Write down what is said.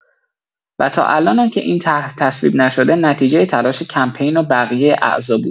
و تا الانم که این طرح تصویب نشده نتیجۀ تلاش کمپین و بقیه اعضا بوده